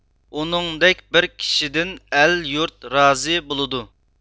ئۇنىڭدەك بىر كىشىدىن ئەل يۇرت رازى بولىدۇ